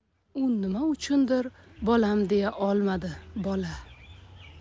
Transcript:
u nima uchundir bolam deya olmadi bola